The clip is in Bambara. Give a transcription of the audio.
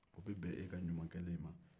o bɛ bɛn e ka ɲumankɛlen ma